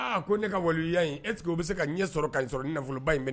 Aa ko ne ka walijuya in est ce que o be se ka ɲɛ sɔrɔ ka sɔrɔ nin nafoloba in